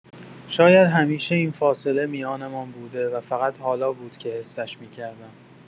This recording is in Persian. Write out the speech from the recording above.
شاید همیشه این فاصله میانمان بوده و فقط حالا بود که حسش می‌کردم.